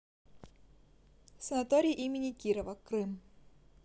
санаторий имени кирова крым